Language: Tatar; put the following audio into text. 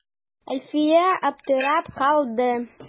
Әлфия аптырап калды.